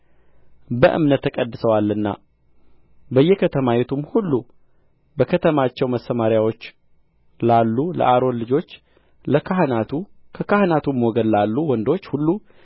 በእምነት ተቀድሰዋልና በየከተማይቱም ሁሉ በከተማቸው መሰምርያዎቹ ላሉ ለአሮን ልጆች ለካህናቱ ከካህናቱም ወገን ላሉ ወንዶች ሁሉ